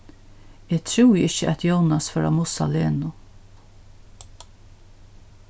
eg trúði ikki at jónas fór at mussa lenu